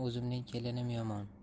o'zimning kelinim yomon